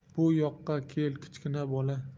bu yoqqa kel kichkina bola